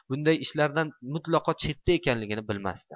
bunday ishlardan mutlaqo chetda ekanligini bilmasdi